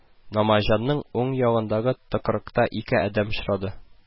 Намаҗанның уң ягындагы тыкрыкта ике адәм очрады